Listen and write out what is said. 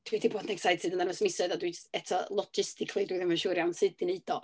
Dwi 'di bod yn excited amdano fo ers misoedd, a dwi jyst eto, logistically, dwi ddim yn siŵr iawn sut i wneud o.